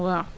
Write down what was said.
waaw